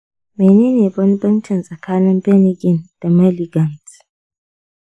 menene bambanci tsakanin benign da malignant?